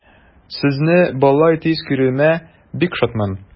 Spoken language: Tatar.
Сезне болай тиз күрүемә бик шатмын.